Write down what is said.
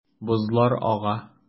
Бозлар ага.